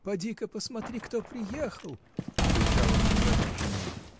Поди-ка, посмотри, кто приехал! — кричал он в садик жене.